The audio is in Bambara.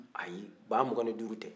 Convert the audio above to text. ayi ba mugan ni duuru tɛ